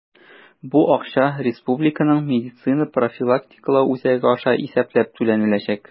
Бу акча Республиканың медицина профилактикалау үзәге аша исәпләп түләнеләчәк.